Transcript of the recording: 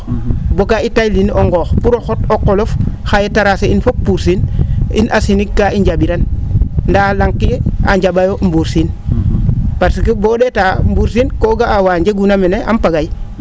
boo gaa i taylin o nqoox pour o xot o qolof xaye tracer in fop pursiin in a sinig gaa i nja?iran ndaa la? ke a nja?aayo mbursiiin parce que boo o ?eetaa mbursiin koo ga'aa waa njeguna mene ampagay